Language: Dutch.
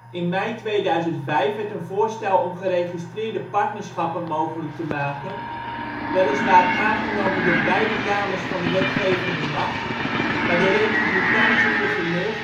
In mei 2005 werd een voorstel om geregistreerde partnerschappen mogelijk te maken weliswaar aangenomen door beide kamers van de wetgevende macht, maar de Republikeinse gouverneur